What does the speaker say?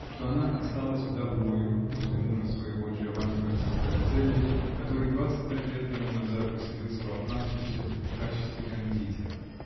что она осталась вдовою после мужа своего, Джиованни Баттиста Розелли, который двадцать пять лет тому назад поселился во Франкфурте в качестве кондитера